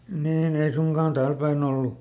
niin ei suinkaan täällä päin ollut